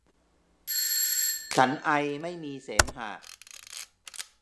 ฉันไอไม่มีเสมหะ